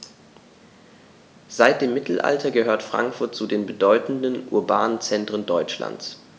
Seit dem Mittelalter gehört Frankfurt zu den bedeutenden urbanen Zentren Deutschlands.